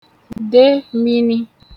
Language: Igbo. dè mīnī